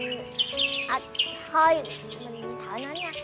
hừm à thôi mình thổi nến nha